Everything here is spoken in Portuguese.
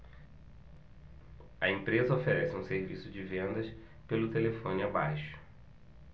a empresa oferece um serviço de vendas pelo telefone abaixo